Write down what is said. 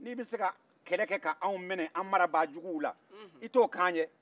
ni b'i se ka kɛlɛ kɛ ka anw minɛ an marabaa juguw la i to k'an ye